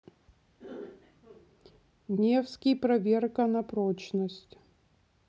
невский проверка на прочность